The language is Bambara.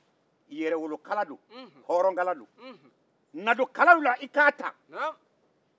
yɛrɛwolokala don hɔrɔnkala don na don kalaw la i k'a ta